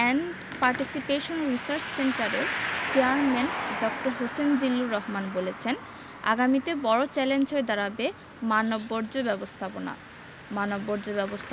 power and participation research সেন্টারের chairman ড হোসেন জিল্লুর রহমান বলেছেন আগামীতে বড় চ্যালেঞ্জ হয়ে দাঁড়াবে মানববর্জ্য ব্যবস্থাপনা